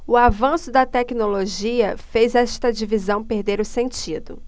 o avanço da tecnologia fez esta divisão perder o sentido